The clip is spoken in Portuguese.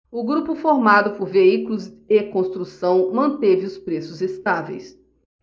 o grupo formado por veículos e construção manteve os preços estáveis